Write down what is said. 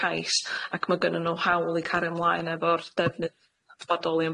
cais ac ma' gynnyn nw hawl i cario mlaen efo'r defnydd bodoli